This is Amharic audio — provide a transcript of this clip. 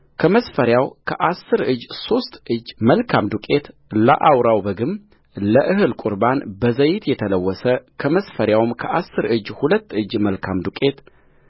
ከመስፈሪያው ከአሥር እጅ ሦስት እጅ መልካም ዱቄት ለአውራው በግም ለእህል ቍርባን በዘይት የተለወሰ ከመስፈሪያው ከአሥር እጅ ሁለት እጅ መልካም ዱቄት